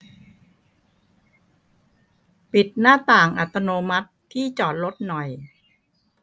ปิดหน้าต่างอัตโนมัติที่จอดรถหน่อย